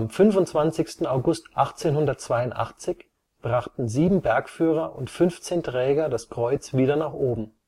25. August 1882 brachten sieben Bergführer und 15 Träger das Kreuz wieder nach oben